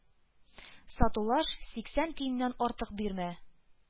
Сатулаш, сиксән тиеннән артык бирмә.